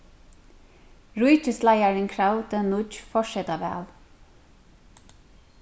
ríkisleiðarin kravdi nýggj forsetaval